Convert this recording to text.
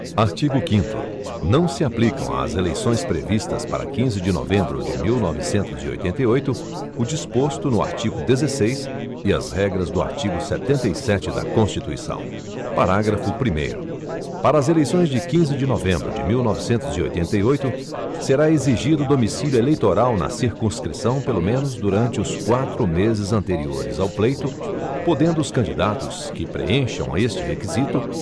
artigo quinto não se aplicam às eleições previstas para quinze de novembro de mil novecentos e oitenta e oito o disposto no artigo dezesseis e as regras do artigo setenta e sete da constituição parágrafo primeiro para as eleições de quinze de novembro de mil novecentos e oitenta e oito será exigido domicílio eleitoral na circunscrição pelo menos durante os quatro meses anteriores ao pleito podendo os candidatos que preencham este requisito